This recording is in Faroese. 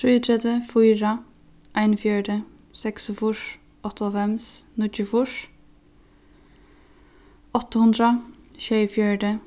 trýogtretivu fýra einogfjøruti seksogfýrs áttaoghálvfems níggjuogfýrs átta hundrað sjeyogfjøruti